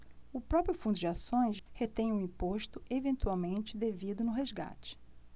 o próprio fundo de ações retém o imposto eventualmente devido no resgate